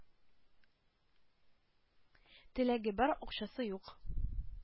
Теләге бар, акчасы юк.